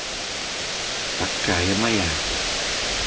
такая моя